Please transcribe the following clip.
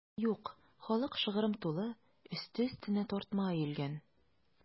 Юк, халык шыгрым тулы, өсте-өстенә тартма өелгән.